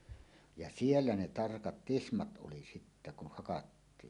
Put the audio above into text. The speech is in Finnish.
ja siellä ne tarkat tismat oli sitten kun hakattiin